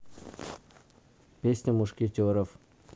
песня мушкетеров